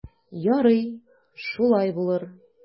Ярый, шулай булыр.